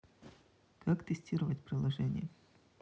как тестировать приложение